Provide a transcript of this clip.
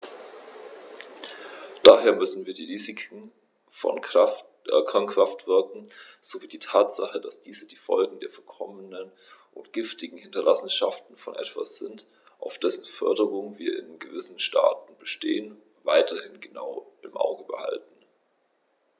Daher müssen wir die Risiken von Kernkraftwerken sowie die Tatsache, dass diese die Folgen der verkommenen und giftigen Hinterlassenschaften von etwas sind, auf dessen Förderung wir in gewissen Staaten bestehen, weiterhin genau im Auge behalten.